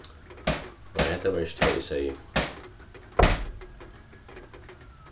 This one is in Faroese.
nei hetta var ikki tað eg segði